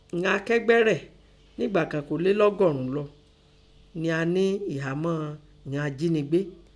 Ìghan akẹgbẹ́ rẹ̀ nígbà kàn kọ́ lé lọgọ́rùn ún lọ́ tì à nẹ́ ẹ̀hámọ́ ìnọn ajínigbé.